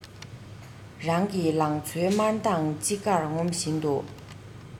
རང གི ལང ཚོའི དམར མདངས ཅི དགར ངོམ བཞིན དུ